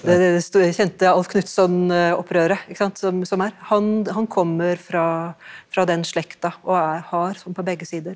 det er det det store kjente Alv Knutsson-opprøret ikke sant som som er han han kommer fra fra den slekta og har sånn på begge sider.